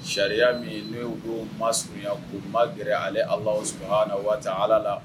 Caya min n'o ko masya ko ma gɛrɛ ale ala sya na waa ala la